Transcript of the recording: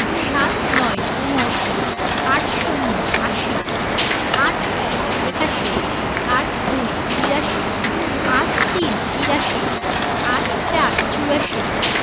৭৯ – উনআশি ৮০ - আশি ৮১ – একাশি ৮২ – বিরাশি ৮৩ – তিরাশি ৮৪ – চুরাশি